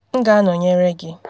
M ga-anọnyere gị.